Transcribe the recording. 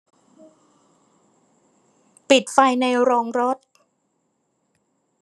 ปิดไฟในโรงรถ